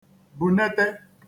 bùnete